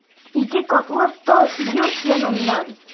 Ике катлы таш йорт яныннан...